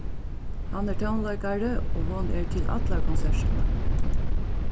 hann er tónleikari og hon er til allar konsertirnar